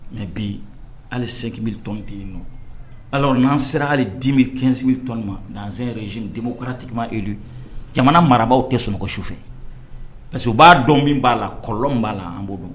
Mɛ bi hali sekibri tɔn tɛ yen nɔ ala n'an sera hali diri kɛsinbiri tɔnɔni ma nanan yɛrɛz denmusokura tigi ma e jamana marabaa tɛ soɔgɔ su fɛ parce que u b'a dɔn min b'a la kɔlɔn b'a la an b'o don